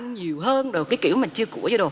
anh nhiều hơn đồ cái kiểu chia của chia đồ